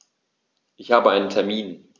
Ich habe einen Termin.